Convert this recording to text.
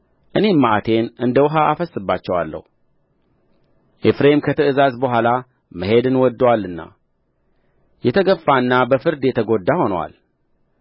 እኔም መዓቴን እንደ ውኃ አፈስስባቸዋለሁ ኤፍሬም ከትእዛዝ በኋላ መሄድን ወድዶአልና የተገፋና በፍርድ የተጐዳ ሆኖአል